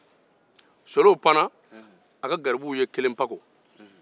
solow pannen a ka garibuw ye kelen pako